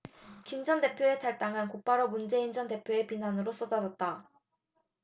김 전 대표의 탈당은 곧바로 문재인 전 대표의 비난으로 쏟아졌다